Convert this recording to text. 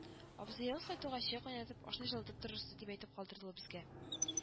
Абзыегыз кайтуга чәй кайнатып, ашны җылытып торырсыз, - дип әйтеп калдырды ул безгә